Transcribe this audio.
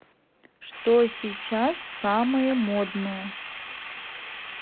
что сейчас самое модное